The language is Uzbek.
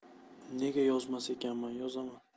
nega yozmas ekanman yozaman